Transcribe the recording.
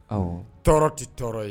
Tɔɔrɔ tɛ tɔɔrɔ ye